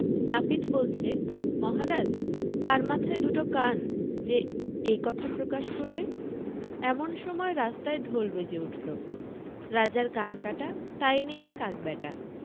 নাপিত বলছে মহারাজ কার মাথায় দুটো কান যে এ কথা প্রকাশ করবে এমন সময় রাস্তায় ঢোল বেজে উঠল রাজার কান কাটা তাই নিলে কাক ব্যাটা